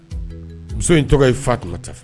Muso in tɔgɔ ye fa tunta